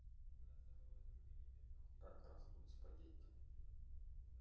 как растут спагетти